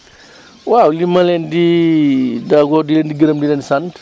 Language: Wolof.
waaw li ma leen di Dado di leen di gërëm di leen sant